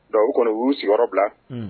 Dɔnku u kɔni u y'u sigiyɔrɔ bila